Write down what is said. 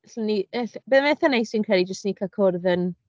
'Swn i, ell-... Bydde fe'n eitha neis fi'n credu jyst i ni cael cwrdd yn...